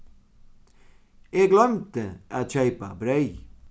eg gloymdi at keypa breyð